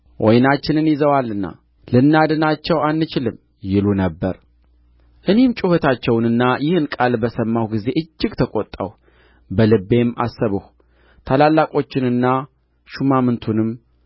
ወይናችንን ይዘዋልና ልናድናቸው አንችልም ይሉ ነበር እኔም ጩኸታቸውንና ይህን ቃል በሰማሁ ጊዜ እጅግ ተቈጣሁ በልቤም አሰብሁ ታላላቆቹንና ሹማምቱንም